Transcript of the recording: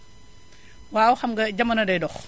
waaw xam nga jamono day dox